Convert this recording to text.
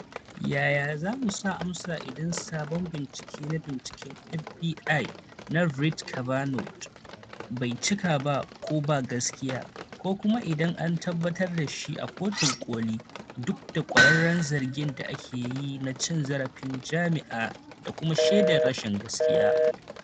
"Yaya za mu amsa idan sabon bincike na binciken F.B.I. na Brett Kavanaugh bai cika ba ko ba gaskiya - ko kuma idan an tabbatar da shi a Kotun Koli duk da kwakwaran zargin da ake yi na cin zarafin jima’i da kuma shaidar rashin gaskiya?